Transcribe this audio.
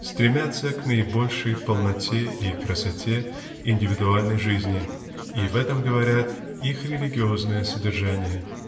стремятся к наибольшей полнотой красоте индивидуальной жизни и в этом говорят их религиозное содержание.